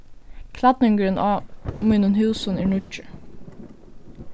klædningurin á mínum húsum er nýggjur